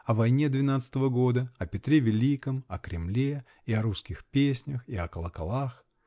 о войне двенадцатого года, о Петре Великом, о Кремле, и о русских песнях, и о колоколах .